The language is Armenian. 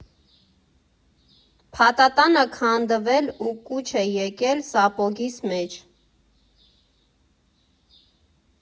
Փաթաթանը քանդվել ու կուչ է եկել սապոգիս մեջ։